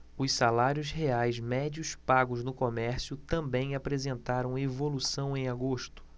os salários reais médios pagos no comércio também apresentaram evolução em agosto